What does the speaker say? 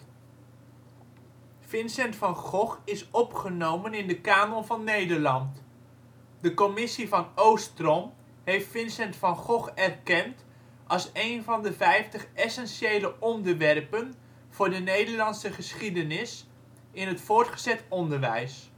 Vincent van Gogh is opgenomen in de canon van Nederland. De commissie-Van Oostrom heeft Vincent van Gogh erkend als een van de vijftig essentiële onderwerpen voor de Nederlandse geschiedenis in het voortgezet onderwijs